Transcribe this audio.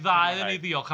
Mwynhau